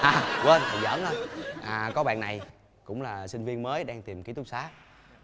à quên thầy giỡn thôi à có bạn này cũng là sinh viên mới đang tìm kí túc xá